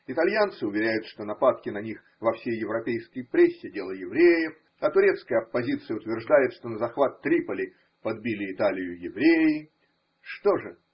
Итальянцы уверяют, что нападки на них во всей европейской прессе – дело евреев, а турецкая оппозиция утверждает, что на захват Триполи подбили Италию евреи. Что же.